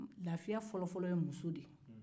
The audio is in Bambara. l afiya fɔlɔfɔlɔ ye muso de ye